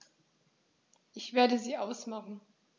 Ich werde sie ausmachen.